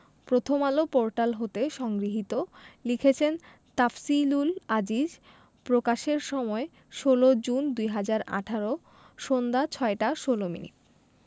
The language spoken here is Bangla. প্রথমআলো পোর্টাল হতে সংগৃহীত লিখেছেন তাফসিলুল আজিজ প্রকাশের সময় ১৬জুন ২০১৮ সন্ধ্যা ৬টা ১৬ মিনিট